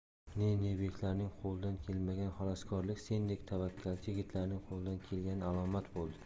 ne ne beklarning qo'lidan kelmagan xaloskorlik sendek tavakkalchi yigitlarning qo'lidan kelgani alomat bo'ldi